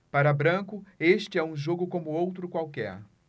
para branco este é um jogo como outro qualquer